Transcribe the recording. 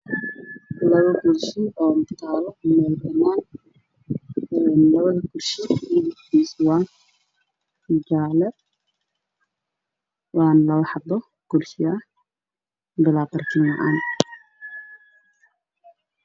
Labo kursi oo taalo meel banaan labada kursi midab kiisa waa jaalo waana labo xabo kursi ah barkin la aan